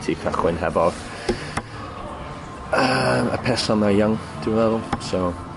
ti cychwyn hefo'r yym y peth syml iawn, dwi'n meddwl, so...